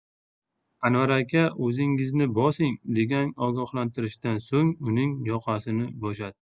anvar aka o'zingizni bosing degan ogohlantirishdan so'ng uning yoqasini bo'shatdi